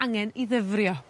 angen 'i ddyfrio.